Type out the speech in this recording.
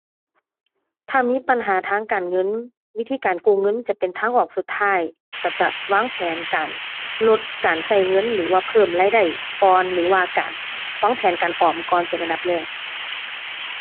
ถ้ามีปัญหาทางการเงิน วิธีการกู้เงินจะเป็นทางออกสุดท้าย ก็จะวางแผนการลดการก็เงินหรือว่าเพิ่มรายได้ก่อน หรือว่าการวางแผนการออมก่อนเป็นอันดับแรก